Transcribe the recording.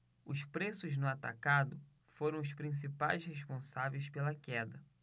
os preços no atacado foram os principais responsáveis pela queda